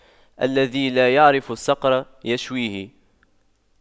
الذي لا يعرف الصقر يشويه